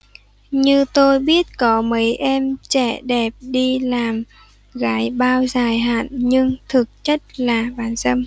như tôi biết có mấy em trẻ đẹp đi làm gái bao dài hạn nhưng thực chất là bán dâm